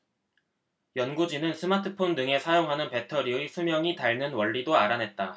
연구진은 스마트폰 등에 사용하는 배터리의 수명이 닳는 원리도 알아냈다